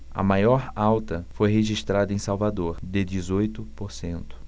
a maior alta foi registrada em salvador de dezoito por cento